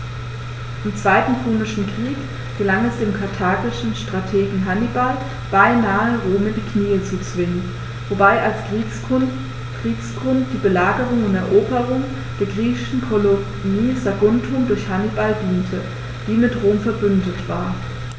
Im Zweiten Punischen Krieg gelang es dem karthagischen Strategen Hannibal beinahe, Rom in die Knie zu zwingen, wobei als Kriegsgrund die Belagerung und Eroberung der griechischen Kolonie Saguntum durch Hannibal diente, die mit Rom „verbündet“ war.